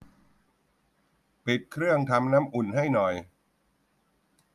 ปิดเครื่องทำน้ำอุ่นให้หน่อย